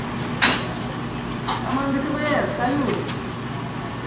команда квн салют